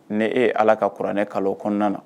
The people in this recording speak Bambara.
Nie ye ala ka kuranɛ kalo kɔnɔna na